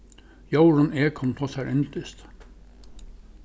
jórunn egholm tosar indiskt